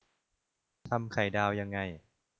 ทำไข่ดาวยังไง